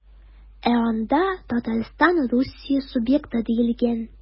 Ә анда Татарстан Русия субъекты диелгән.